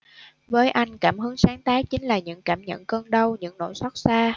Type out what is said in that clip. với anh cảm hứng sáng tác chính là những cảm nhận cơn đau những nỗi xót xa